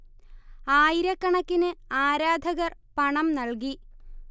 ആയിരക്കണക്കിന് ആരാധകർ പണം നൽകി